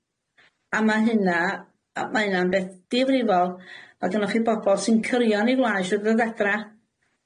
A ma' hynna- a ma' hynna'n beth ddifrifol. Ma' gynnoch chi bobol sy'n crio yn 'u gwlâu isio dod adra.